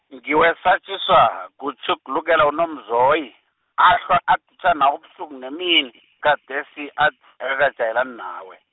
ngiwesatjiswa, kutjhugulukela uNomzoyi, ahlwa aditjha nawe ubusuku nemini, gadesi ath-, akakajayelani nawe.